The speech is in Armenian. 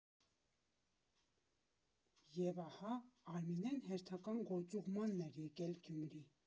Եվ ահա, Արմինեն հերթական գործուղմանն էր եկել Գյումրի։